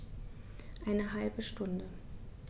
Eine halbe Stunde